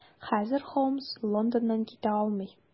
Хәзергә Холмс Лондоннан китә алмый.